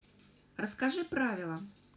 расскажи правила